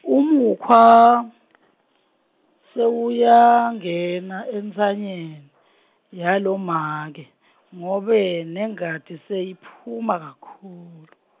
umukhwa, sewuyangena entsanyeni, yalomake ngobe nengati seyiphuma kakhulu.